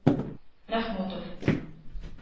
Мәхмүтов.